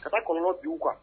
Ka kɔnɔn b bin u kuwa